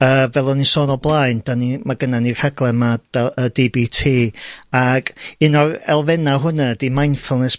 Yy, fel o'n i'n sôn o blaen, 'dan ni mae gynnon ni rhaglen 'ma dy y Dee Bee Tee. Ag o'r elfenna' hwnna ydi mindfulness